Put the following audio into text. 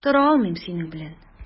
Тора алмыйм синең белән.